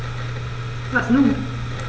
Was nun?